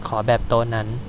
ขอแบบโต๊ะนั้น